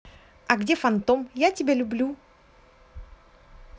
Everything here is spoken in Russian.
а где фантом я тебя люблю